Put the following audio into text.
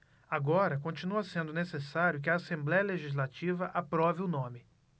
agora continua sendo necessário que a assembléia legislativa aprove o nome